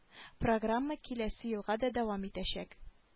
Программа киләсе елга да дәвам итәчәк